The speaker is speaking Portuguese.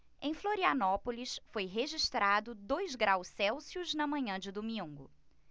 em florianópolis foi registrado dois graus celsius na manhã de domingo